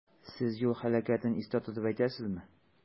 Сез юл һәлакәтен истә тотып әйтәсезме?